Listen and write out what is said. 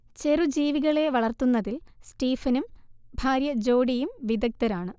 ചെറുജീവികളെ വളർത്തുന്നതിൽ സ്റ്റീഫനും ഭാര്യ ജോഡിയും വിദഗ്ധരാണ്